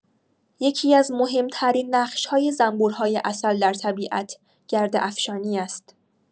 یکی‌از مهم‌ترین نقش‌های زنبورهای عسل در طبیعت گرده‌افشانی است.